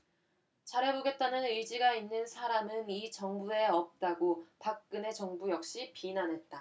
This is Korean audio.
잘해보겠다는 의지가 있는 사람이 이 정부에 없다고 박근혜 정부 역시 비난했다